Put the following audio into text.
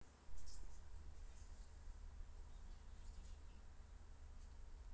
салют а ты знаешь что я девочка но я не люблю розового цвета